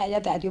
ja täytyi